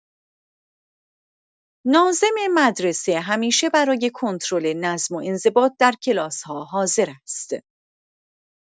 ناظم مدرسه همیشه برای کنترل نظم و انضباط در کلاس‌ها حاضر است.